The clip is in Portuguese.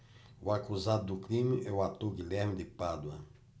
o acusado do crime é o ator guilherme de pádua